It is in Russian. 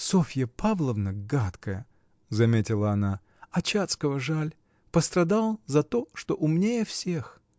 — Софья Павловна гадкая, — заметила она, — а Чацкого жаль: пострадал за то, что умнее всех!